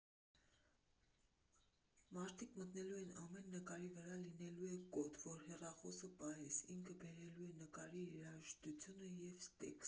Մարդիկ մտնելու են ու ամեն նկարի վրա լինելու է կոդ, որ հեռախոսը պահես, ինքը բերելու է նկարի երաժշտությունը ու տեքստը։